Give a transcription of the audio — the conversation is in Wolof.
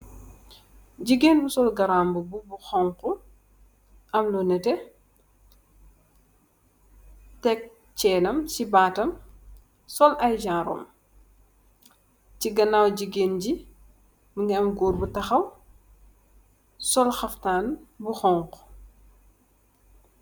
Gigeen bu sul garam mbobu bu xhong khu amlu neteh tek chain nam si batam sul aye jarom si ganaw gigeen gi munge goor bu takhaw sul kaftan bu xhong khu